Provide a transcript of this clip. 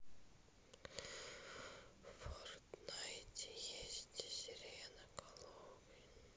в фортнайте есть сиреноголовый